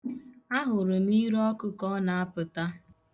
Ahụrụ m irọọkụ ka ọ na-apụta.